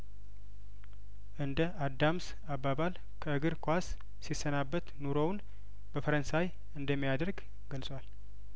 እንደ አዳምስ አባባል ከእግር ኳስ ሲሰናበት ኑሮውን በፈረንሳይ እንደሚያደርግ ገልጿል